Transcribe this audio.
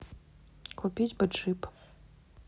купить бы джип